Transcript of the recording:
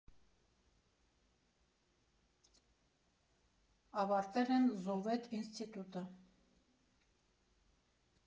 Ավարտել եմ ԶՈՎԵՏ ինստիտուտը։